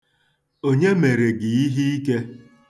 Onye mere gị iheike?